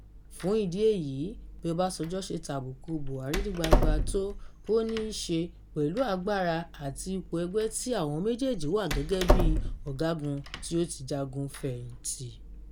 Fún ìdí èyí, bí Ọbásanjọ́ ṣe tàbùkù Buhari ní gbangba tó, ó níí ṣe pẹ̀lú agbára àti ipò ẹgbẹ́ tí àwọn méjèèjì wà gẹ́gẹ́ bí ọ̀gágun tí ó ti jagun fẹ̀yìntì.